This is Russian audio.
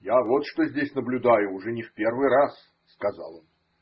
– Я вот что здесь наблюдаю уже не в первый раз,– сказал он.